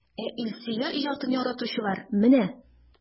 Ә Илсөя иҗатын яратучылар менә!